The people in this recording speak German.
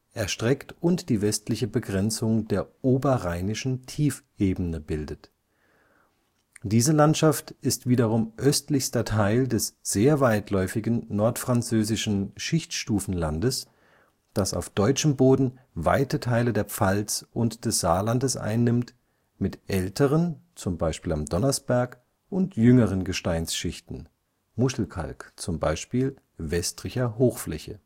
erstreckt und die westliche Begrenzung der Oberrheinischen Tiefebene bildet. Diese Landschaft ist wiederum östlichster Teil des sehr weitläufigen Nordfranzösischen Schichtstufenlandes, das auf deutschem Boden weite Teile der Pfalz und des Saarlandes einnimmt, mit älteren (z. B. am Donnersberg) und jüngeren Gesteinsschichten (Muschelkalk, z. B. Westricher Hochfläche